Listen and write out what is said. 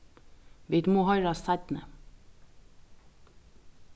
vit mugu hoyrast seinni